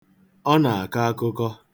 Ọ na-akọ akụkọ.